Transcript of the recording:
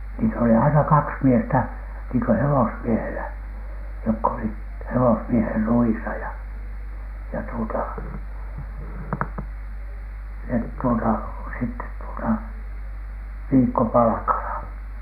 niitä oli aina kaksi miestä niin kuin hevosmiehellä jotka olivat hevosmiehen ruuissa ja ja tuota ne tuota sitten tuota viikkopalkalla